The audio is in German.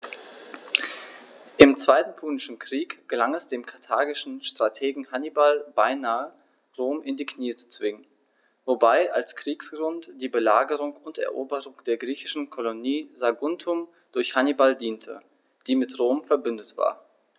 Im Zweiten Punischen Krieg gelang es dem karthagischen Strategen Hannibal beinahe, Rom in die Knie zu zwingen, wobei als Kriegsgrund die Belagerung und Eroberung der griechischen Kolonie Saguntum durch Hannibal diente, die mit Rom „verbündet“ war.